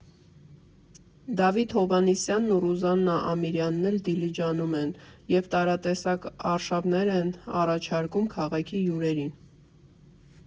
Դավիթ Հովհաննիսյանն ու Ռուզաննա Ամիրյանն էլ Դիլիջանում են և տարատեսակ արշավներ են առաջարկում քաղաքի հյուրերին։